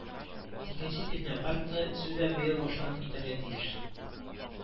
Икенче технопаркны төзү дә быел башланып китәргә тиеш